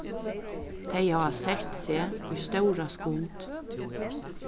tey hava sett seg í stóra skuld